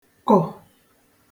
kọ̀